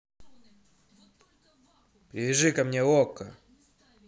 привяжи мне к okko